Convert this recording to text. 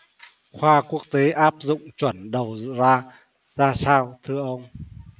khoa quốc tế áp dụng chuẩn đầu ra ra sao thưa ông